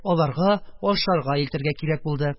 Аларга ашарга илтергә кирәк булды.